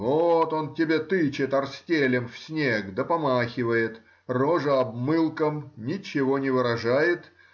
Вот он тебе тычет орстелем в снег да помахивает, рожа обмылком — ничего не выражает